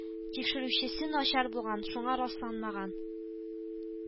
Тикшерүчесе начар булган, шуңа расланмаган